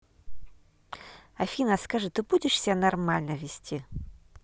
афина скажи ты будешь себя нормально вести